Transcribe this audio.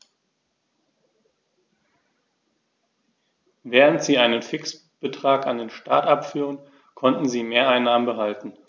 Während sie einen Fixbetrag an den Staat abführten, konnten sie Mehreinnahmen behalten.